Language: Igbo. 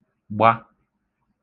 gba